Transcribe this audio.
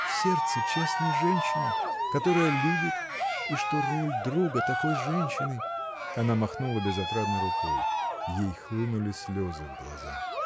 — В сердце честной женщины, которая любит, и что роль друга такой женщины. Она махнула безотрадно рукой. Ей хлынули слезы в глаза.